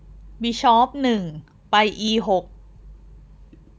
บิชอปหนึ่งไปอีหก